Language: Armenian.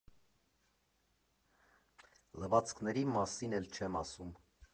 Լվացքների մասին էլ չեմ ասում.